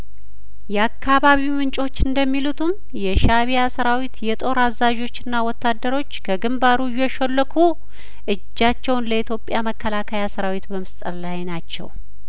የአካባቢው ምንጮች እንደሚሉትም የሻእቢያ ሰራዊት የጦር አዛዦችና ወታደሮች ከግንባሩ እየሾለኩ እጃቸውን ለኢትዮጵያ መከላከያ ሰራዊት በመስጠት ላይ ናቸው